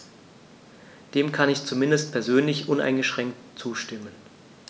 Dem kann ich zumindest persönlich uneingeschränkt zustimmen.